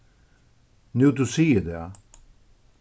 nú tú sigur tað